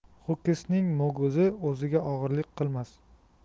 ho'kizning mo'guzi o'ziga og'irlik qilmas